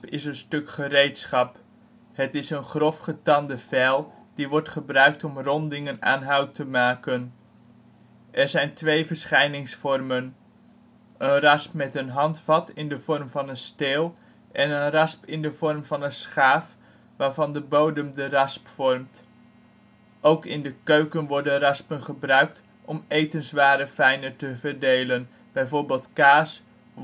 is een stuk gereedschap; het is een grofgetande vijl die wordt gebruikt om rondingen aan hout te maken. Er zijn twee verschijningsvormen: een rasp met een handvat in de vorm van een steel, en een rasp in de vorm van een schaaf waarvan de bodem de rasp vormt. Ook in de keuken worden raspen gebruikt om etenswaren fijner te verdelen, b.v. kaas, wortels